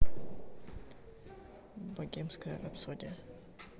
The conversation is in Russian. богемская рапсодия